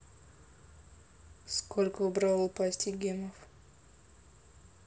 сколько в brawl пасте гемов